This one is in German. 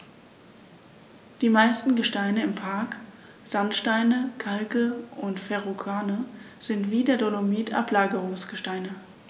Die meisten Gesteine im Park – Sandsteine, Kalke und Verrucano – sind wie der Dolomit Ablagerungsgesteine.